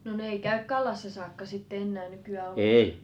no ne ei käy Kallassa saakka sitten enää nykyään ollenkaan